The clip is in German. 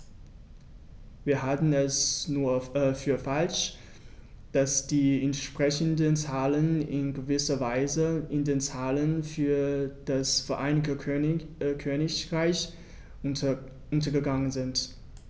Wir halten es für falsch, dass die entsprechenden Zahlen in gewisser Weise in den Zahlen für das Vereinigte Königreich untergegangen sind.